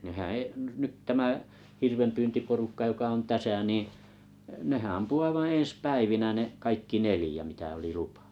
nehän - nyt tämä hirvenpyyntiporukka joka on tässä niin nehän ampui aivan ensi päivinä ne kaikki neljä mitä oli lupa